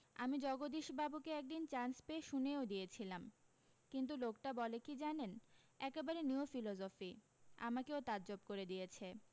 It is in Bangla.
আমি জগদীশবাবুকে একদিন চান্স পেয়ে শুনিয়েও দিয়েছিলাম কিন্তু লোকটা বলে কী জানেন একেবারে নিউ ফিলজফি আমাকেও তাজ্জব করে দিয়েছে